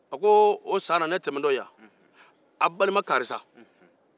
a ko o san na ne tɛmɛtɔ yan a balima karisa